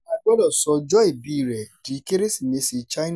A gbọdọ̀ sọ ọjọ́ ìbíi rẹ̀ di Kérésìmesì China.